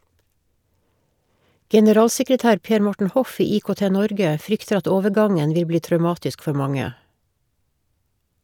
Generalsekretær Per Morten Hoff i IKT-Norge frykter at overgangen vil bli traumatisk for mange.